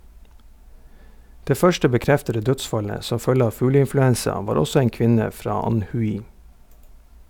Det første bekreftede dødsfallet som følge av fugleinfluensa var også en kvinne fra Anhui.